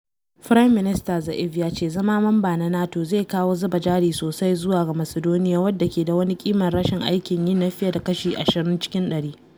Firaminista Zaev ya ce zama mamban NATO zai kawo zuba jari sosai zuwa ga Macedonia, wadda ke da wani kimar rashin aikin yi na fiye da kashi 20 cikin ɗari.